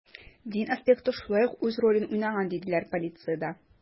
Дин аспекты шулай ук үз ролен уйнаган, диделәр полициядә.